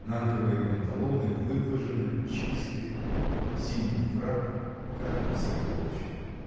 Нанковые панталоны выглажены, чисты; синий фрак как с иголочки.